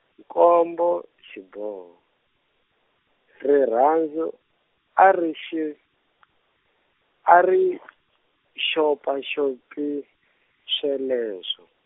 nkombo xiboho, rirhandzu a ri xi- , ari xopaxopi sweleswo.